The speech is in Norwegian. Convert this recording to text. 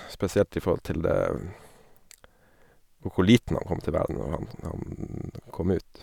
Spesielt i forhold til det på hvor liten han kom til å være når han han kom ut.